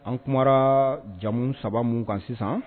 An kumara jamu saba minnu kan sisan